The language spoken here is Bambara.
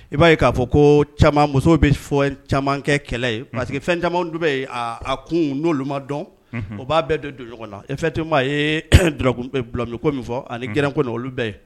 I b'a ye k'a fɔ ko caman muso bɛ fɔ camankɛ kɛlɛ ye parce que fɛn caman bɛ yen a kun n'o dɔn o b'a bɛɛ don don ɲɔgɔn la e fɛn toma ye bila kɔmi min fɔ ani gko olu bɛɛ ye